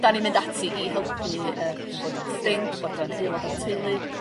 ...'dan ni'n mynd ati i helpu yy yn boed o'n ffrind boed o'n aelod o'r teulu